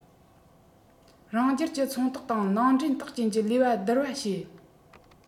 རང རྒྱལ གྱི ཚོང རྟགས དང ནང འདྲེན རྟགས ཅན གྱིས ལས པ བསྡུར པ བྱེད